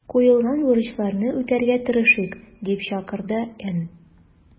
Куелган бурычларны үтәргә тырышыйк”, - дип чакырды Н.